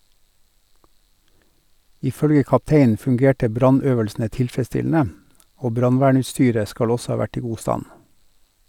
Ifølge kapteinen fungerte brannøvelsene tilfredsstillende, og brannvernutstyret skal også ha vært i god stand.